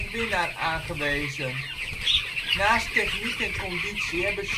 winnaar aangewezen. Naast techniek en conditie hebben shorttrackers